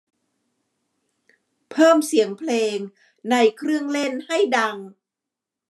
เพิ่มเสียงเพลงในเครื่องเล่นให้ดัง